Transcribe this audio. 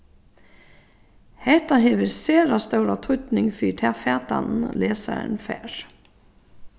hetta hevur sera stóran týdning fyri tað fatanina lesarin fær